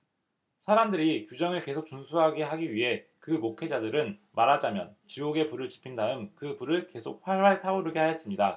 사람들이 규정을 계속 준수하게 하기 위해 그 목회자들은 말하자면 지옥의 불을 지핀 다음 그 불을 계속 활활 타오르게 하였습니다